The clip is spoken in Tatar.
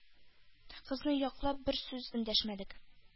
Кызны яклап бер сүз эндәшмәдек.